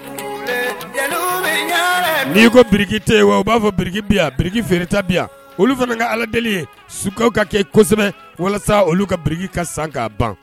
;N'i ko biriki tɛ yen wa ? O b'a fɔ biriki bɛ yan, biriki fereta bɛ yan. Olu fana ka Ala deli ye, sukoyaw ka kɛ kosɛbɛ walasa olu ka biriki ka san k'a ban.